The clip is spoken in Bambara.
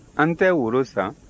an tɛ woro san